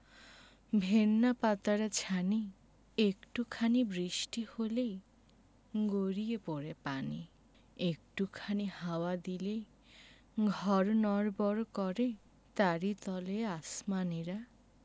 ভেন্না পাতার ছানি একটু খানি বৃষ্টি হলেই গড়িয়ে পড়ে পানি একটু খানি হাওয়া দিলেই ঘর নড়বড় করে তারি তলে আসমানীরা